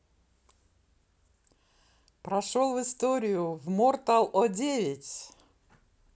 прошел историю в mortal о девять